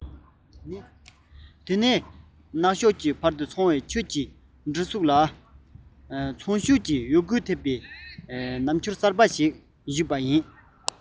ད བཟོད སྣག ཤོག གི བར དུ འཚང བའི ཁྱོད ཀྱི གྲིབ གཟུགས ལ གསོན ཤུགས ཀྱི གཡོ འགུལ ལྡན པའི རྣམ ཤེས གསར པ ཞིག ཞུགས པ ཡིན